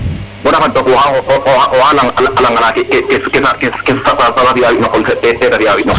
bata fad toog waxa a langa la ke sasa fiya na qol teta fiya fi o qol